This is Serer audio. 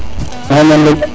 maxey men rek